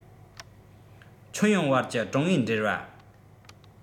ཁྱོན ཡོངས བར གྱི ཀྲུང ཨའི འབྲེལ བ